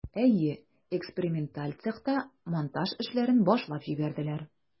Әйе, эксперименталь цехта монтаж эшләрен башлап җибәрделәр.